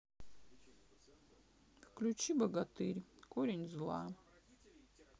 включить богатырь корень зла